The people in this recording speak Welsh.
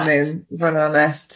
...a neud fo'n onest.